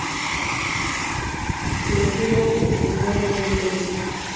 включи мультик дисней на ютубе